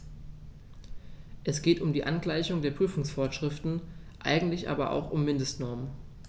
Es geht um die Angleichung der Prüfungsvorschriften, eigentlich aber auch um Mindestnormen.